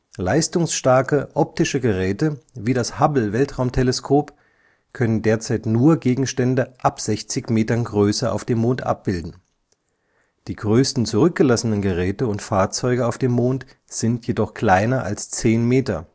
Leistungsstarke optische Geräte, wie das Hubble-Weltraumteleskop, können derzeit nur Gegenstände ab 60 Metern Größe auf dem Mond abbilden, die größten zurückgelassenen Geräte und Fahrzeuge auf dem Mond sind jedoch kleiner als 10 Meter